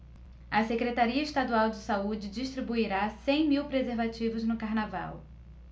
a secretaria estadual de saúde distribuirá cem mil preservativos no carnaval